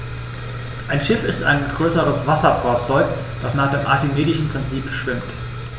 Ein Schiff ist ein größeres Wasserfahrzeug, das nach dem archimedischen Prinzip schwimmt.